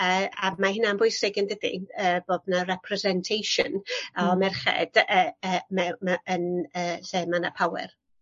yy a mae hynna'n bwysig ynydi? Yy bod 'na representation o merched yy yy mew- mew- yn y lle ma' 'na power.